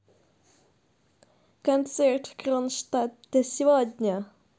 концерт в кронштадте сегодня